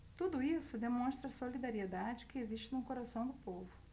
tudo isso demonstra a solidariedade que existe no coração do povo